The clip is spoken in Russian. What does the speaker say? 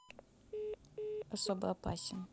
особо опасен